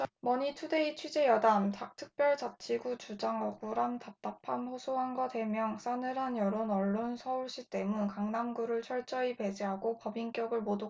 머니투데이 취재여담 특별자치구 주장 억울함 답답함 호소한 것 해명 싸늘한 여론 언론 서울시 때문 강남구를 철저히 배제하고 법인격을 모독하는 건 참기가 고통스럽습니다